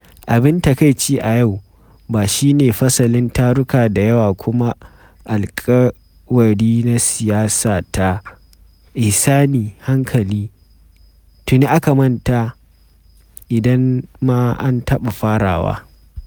Abin takaici a yau, ba shi ne fasalin taruka da yawa kuma alkawari na siyasa ta “ihsani, hankali” tuni aka manta idan, ma, an taɓa farawa.